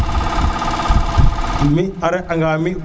mi are a nga mi